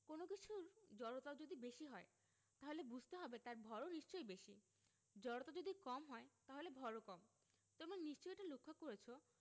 কোনো কিছুর জড়তা যদি বেশি হয় তাহলে বুঝতে হবে তার ভরও নিশ্চয়ই বেশি জড়তা যদি কম হয় তাহলে ভরও কম তোমরা নিশ্চয়ই এটা লক্ষ করেছ